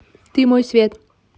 ты мой свет